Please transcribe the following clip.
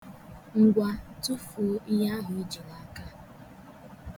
Ngwa tufuo ihe ahu iji n'aka.